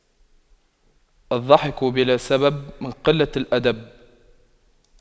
الضحك بلا سبب من قلة الأدب